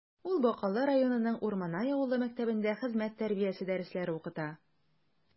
Ул Бакалы районының Урманай авылы мәктәбендә хезмәт тәрбиясе дәресләре укыта.